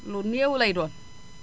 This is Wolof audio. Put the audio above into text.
lu néew lay doon